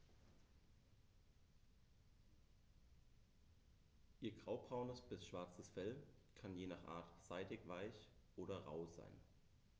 Ihr graubraunes bis schwarzes Fell kann je nach Art seidig-weich oder rau sein.